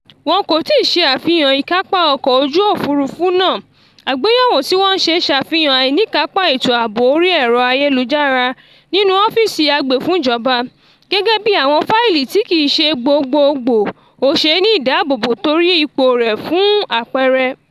Wọn kò tíì ṣe àfihàn ìkápá ọkọ̀ ojú òfurúfú náà, àgbéyẹ̀wò tí wọ́n ṣe ṣàfihàn àìníkapá ètò aàbò orí ẹ̀rọ̀ ayélujára nínú ọ́fíìsì agbèfúnjọba, gẹ́gẹ́ bí àwọn fáìlì tí kìí ṣe ti gbogboogbo ò ṣe ní ìdábòbò torí ipò rẹ̀ fún apẹẹrẹ.